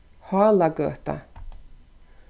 hálagøta